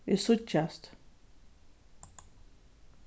vit síggjast